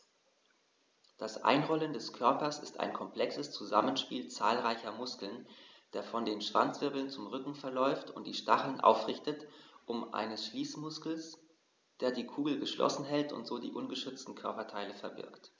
Das Einrollen des Körpers ist ein komplexes Zusammenspiel zahlreicher Muskeln, der von den Schwanzwirbeln zum Rücken verläuft und die Stacheln aufrichtet, und eines Schließmuskels, der die Kugel geschlossen hält und so die ungeschützten Körperteile verbirgt.